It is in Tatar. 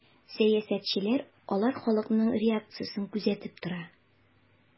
Сәясәтчеләр алар халыкның реакциясен күзәтеп тора.